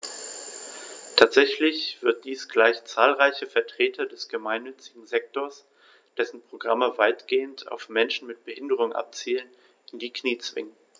Tatsächlich wird dies gleich zahlreiche Vertreter des gemeinnützigen Sektors - dessen Programme weitgehend auf Menschen mit Behinderung abzielen - in die Knie zwingen.